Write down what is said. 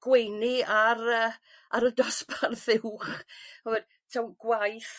gweiny ar y ar y dosbarth uwch, ch'mod taw gwaith